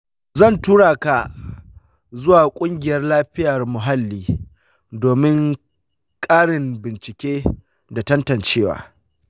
zan tura ka zuwa ƙungiyar lafiyar muhalli domin ƙarin bincike da tantancewa.